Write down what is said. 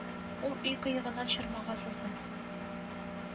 Ул вазифаны Илсур Метшин биләде.